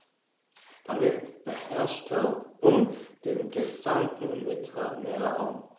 Damit beherrschte Rom den gesamten Mittelmeerraum.